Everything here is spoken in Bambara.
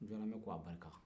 jɔkɔranmɛ ko a barika